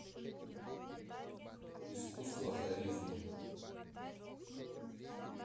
искусство харизмы